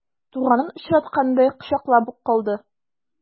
Туганын очраткандай кочаклап ук алды.